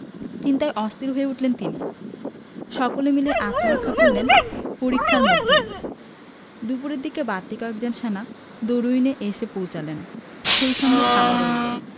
চিন্তায় অস্থির হয়ে উঠলেন তিনি সকলে মিলে আত্মরক্ষা করলেন পরিখার মধ্যে দুপুরের দিকে বাড়তি কয়েকজন সেনা দরুইনে এসে পৌঁছালেন সেই সঙ্গে খাবারও এলো